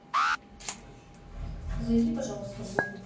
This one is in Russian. зайди пожалуйста в google